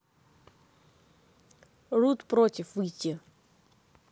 ruth против выйти